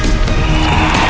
bây